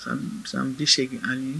Bɛ segingin ani